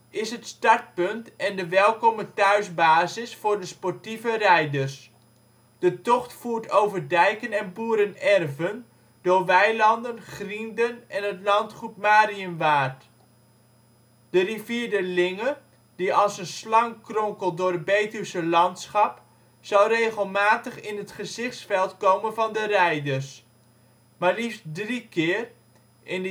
is het startpunt en de welkome thuisbasis voor de sportieve rijders. De tocht voert over dijken en boerenerven, door weilanden, grienden en het landgoed Mariënwaert. De rivier De Linge, die als een slang kronkelt door het Betuwse landschap, zal regelmatig in het gezichtsveld komen van de rijders. Maar liefst drie keer (in